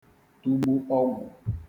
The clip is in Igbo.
tugbu ọgwụ̀